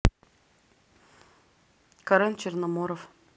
карен черноморов